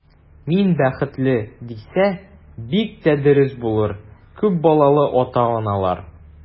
Мин бәхетле, дисә, бик тә дөрес булыр, күп балалы ата-аналар.